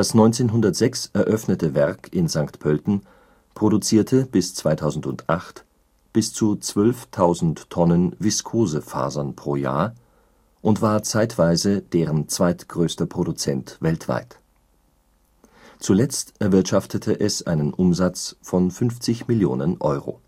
1906 eröffnete Werk in St. Pölten produzierte bis 2008 bis zu 12.000 Tonnen Viskosefasern pro Jahr und war zeitweise deren zweitgrößter Produzent weltweit. Zuletzt erwirtschaftete es einen Umsatz von 50 Mio. Euro